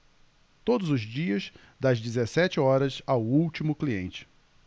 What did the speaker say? todos os dias das dezessete horas ao último cliente